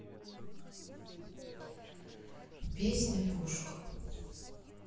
песня пушка